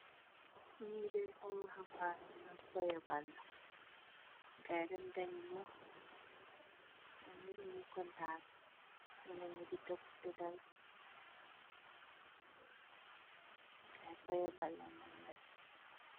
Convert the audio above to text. Niidey ay wuxambaana yonoon foye ball, gaay em no kontaan ñene ni di tëpp te dala gaay foye balla nangar.